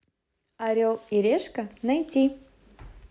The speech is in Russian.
орел и решка найти